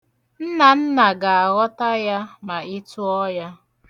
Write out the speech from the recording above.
Nnanna ga-aghọta ya ma ị tụọ ya.